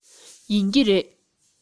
ཡིན གྱི རེད